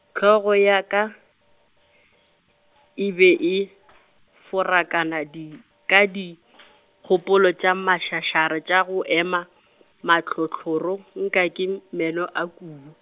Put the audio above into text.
hlogo ya ka, e be e , farakana di, ka di, kgopolo tša maša ša ra tša go ema , mahlohloro nka ke m-, meno a kubu.